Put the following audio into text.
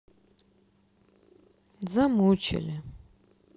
замучали